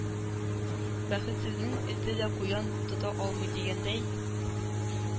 Бәхетсезнең эте дә куян тота алмый дигәндәй,